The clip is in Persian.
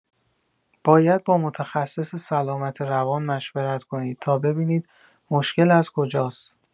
باید با متخصص سلامت روان مشورت کنید تا ببینید مشکل از کجاست.